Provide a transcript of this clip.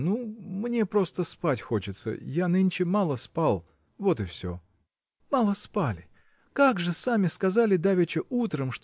ну, мне просто спать хочется: я нынче мало спал – вот и все. – Мало спали! как же сами сказали давеча утром